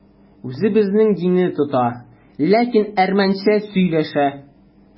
Үзе безнең динне тота, ләкин әрмәнчә сөйләшә.